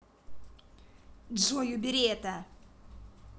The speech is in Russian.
джой убери это